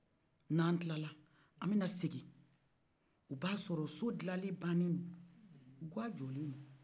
n'an kilala an bɛ na segi o b'a sɔrɔ so gilanne banedo ga jɔlen do